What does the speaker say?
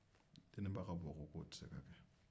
deninba ka bɔ ko k'o tɛ se ka kɛ